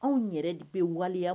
Anw yɛrɛ de bɛ waleya